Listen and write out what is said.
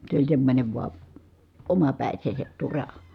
se oli semmoinen vain omapäisensä tura